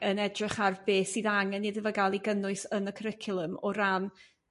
yn edrych ar beth sydd angen iddo fe gael 'i gynnwys yn y cwricwlwm o ran